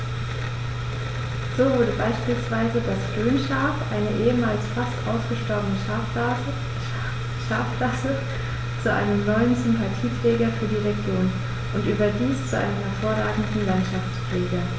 So wurde beispielsweise das Rhönschaf, eine ehemals fast ausgestorbene Schafrasse, zu einem neuen Sympathieträger für die Region – und überdies zu einem hervorragenden Landschaftspfleger.